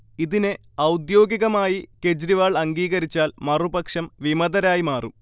ഇതിനെ ഔദ്യോഗികമായി കെജ്രിവാൾ അംഗീകരിച്ചാൽ മറുപക്ഷം വിമതരായി മാറും